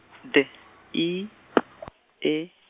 D I P E.